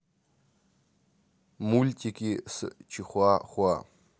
мультики с чихуа хуа